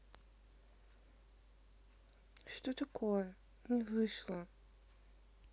что такое не вышло